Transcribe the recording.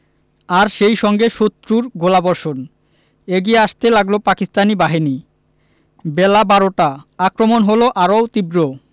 আর সেই সঙ্গে শত্রুর গোলাবর্ষণ এগিয়ে আসতে লাগল পাকিস্তানি বাহিনী বেলা বারোটা আক্রমণ হলো আরও তীব্র